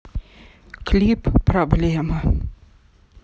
клип проблема